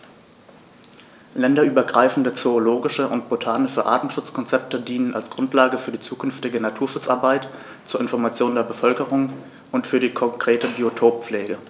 Länderübergreifende zoologische und botanische Artenschutzkonzepte dienen als Grundlage für die zukünftige Naturschutzarbeit, zur Information der Bevölkerung und für die konkrete Biotoppflege.